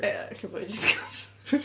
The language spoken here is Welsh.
Ia ella bod hi jyst 'di cael st-